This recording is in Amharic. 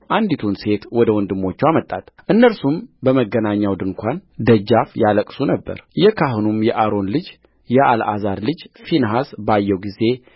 አንዲቱን ሴት ወደ ወንድሞቹ አመጣት እነርሱም በመገናኛው ድንኳን ደጃፍ ያለቅሱ ነበርየካህኑም የአሮን ልጅ የአልዓዛር ልጅ ፊንሐስ ባየው ጊዜ